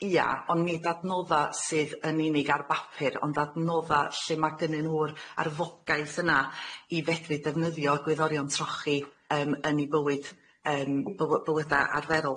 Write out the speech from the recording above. Ia, ond nid adnodda' sydd yn unig ar bapur ond adnodda' lle ma' gynnyn nw'r arfogaeth yna i fedru defnyddio egwyddorion trochi yym yn 'u bywyd yym bywy- bywyde arferol.